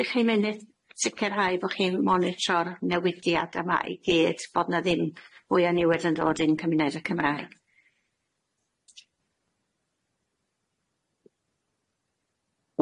dych chi'n mynd sicirhau bo' chi'n monitro'r newidiad yma i gyd bod na ddim mwy o niwed yn dod i'n cymuned y Cymraeg?